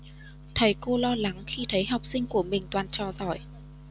thầy cô lo lắng khi thấy học sinh của mình toàn trò giỏi